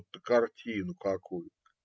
Будто картину какую.